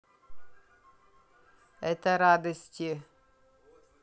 это радости